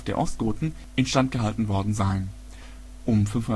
Ostgoten instand gehalten worden seien. Um 530